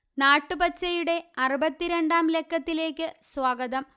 നാട്ടുപച്ചയുടെ അറുപത്തിരണ്ടാം ലക്കത്തിലേക്ക് സ്വാഗതം